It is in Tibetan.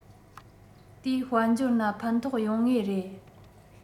དེའི དཔལ འབྱོར ན ཕན ཐོགས ཡོང ངེས རེད